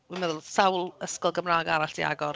Wi'n meddwl sawl ysgol Gymraeg arall 'di agor.